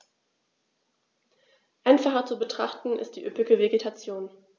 Einfacher zu betrachten ist die üppige Vegetation.